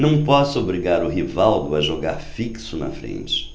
não posso obrigar o rivaldo a jogar fixo na frente